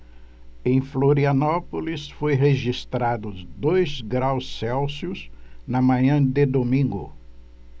em florianópolis foi registrado dois graus celsius na manhã de domingo